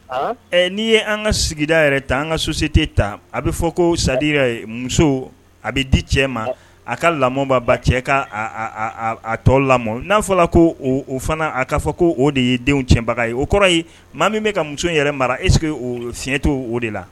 N'i ye an ka sigida yɛrɛ ta an ka sosite ta a bɛ fɔ ko sajira muso a bɛ di cɛ ma a ka lamɔ' ba cɛ ka a tɔ lamɔ n'a fɔra ko o fana a k kaa fɔ ko o de ye denw cɛbaga ye o kɔrɔ ye maa min bɛka ka muso in yɛrɛ mara ese o siɲɛtɔ o de la